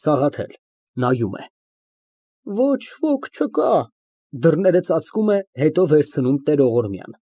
ՍԱՂԱԹԵԼ ֊ (Նայում է) Ոչ ոք չկա։ (Դռները ծածկում է, հետո տերողորմյան վերցնում)։